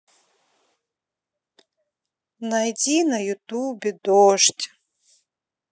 найди на ютубе дождь